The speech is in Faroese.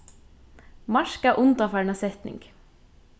marka undanfarna setning